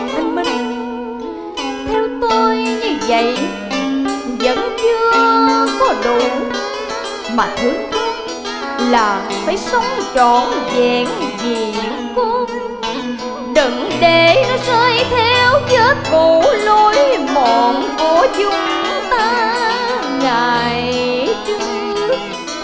anh minh theo tôi như vậy vẫn chưa có đủ mà vẫn không vẫn sống chọn vẹn vì con đừng để nó rơi theo vết đủ lối mòn của chúng ta ngày trước